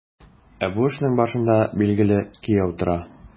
Ә бу эшнең башында, билгеле, кияү тора.